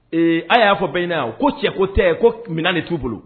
Ee a y'a fɔ ba ko cɛ ko tɛ ko minɛn nin'u bolo